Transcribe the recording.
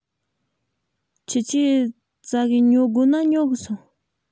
ཁྱོད ཆོས ཙ གེ ཉོ དགོ ན ཉོ གི སོང